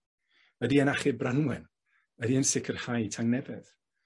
Ydi e'n achub Branwen? Ydi e'n sicirhau tangnefedd?